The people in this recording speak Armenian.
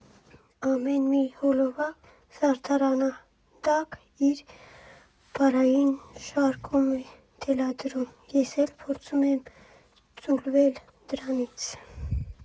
Ամեն մի խոյակ, զարդաքանդակ իր պարային շարժումն է թելադրում, և ես փորձում եմ ձուլվել դրանց»։